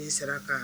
N'i sara kan